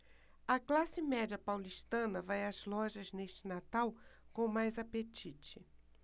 a classe média paulistana vai às lojas neste natal com mais apetite